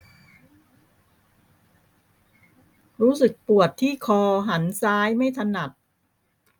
รู้สึกปวดที่คอหันซ้ายไม่ถนัด